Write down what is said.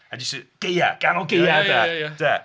Jyst y- gaeaf, ganol gaeaf 'de, 'de.